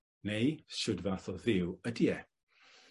neu shwd fath o dduw ydi e?